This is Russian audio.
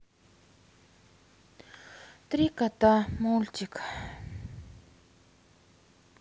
три кота мультик